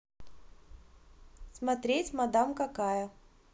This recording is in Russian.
смотреть мадам какая